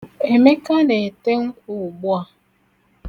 Emeka na-ete nkwụ ugbu a.